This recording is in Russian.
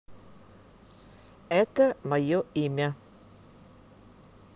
это мое имя